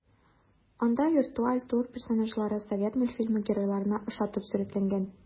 Анда виртуаль тур персонажлары совет мультфильмы геройларына охшатып сурәтләнгән.